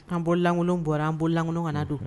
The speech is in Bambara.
An bɔlang bɔra an bɔ lang kana don